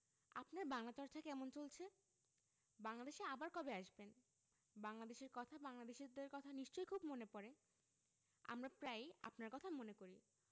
আপনার বাংলা চর্চা কেমন চলছে বাংলাদেশে আবার কবে আসবেন বাংলাদেশের কথা বাংলাদেশীদের কথা নিশ্চয় খুব মনে পরে আমরা প্রায়ই আপনারর কথা মনে করি